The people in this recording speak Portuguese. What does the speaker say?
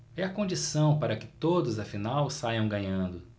é a condição para que todos afinal saiam ganhando